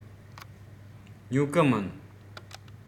ཉོ གི མིན